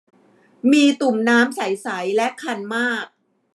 มีตุ่มน้ำใสใสและคันมาก